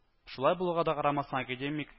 Шулай булуга да карамасан, академик